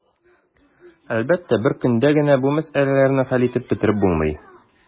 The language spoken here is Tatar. Әлбәттә, бер көндә генә бу мәсьәләләрне хәл итеп бетереп булмый.